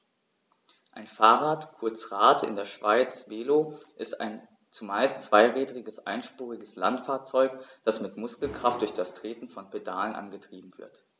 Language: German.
Ein Fahrrad, kurz Rad, in der Schweiz Velo, ist ein zumeist zweirädriges einspuriges Landfahrzeug, das mit Muskelkraft durch das Treten von Pedalen angetrieben wird.